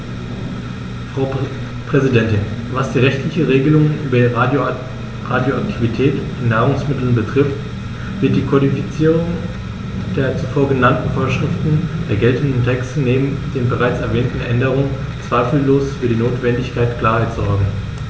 Frau Präsidentin, was die rechtlichen Regelungen über Radioaktivität in Nahrungsmitteln betrifft, wird die Kodifizierung der zuvor genannten Vorschriften der geltenden Texte neben den bereits erwähnten Änderungen zweifellos für die notwendige Klarheit sorgen.